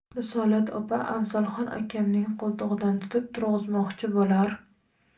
risolat opa afzalxon akamning qo'ltig'idan tutib turg'izmoqchi bo'lar